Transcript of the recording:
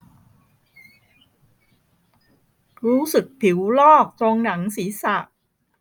รู้สึกผิวลอกตรงหนังศีรษะ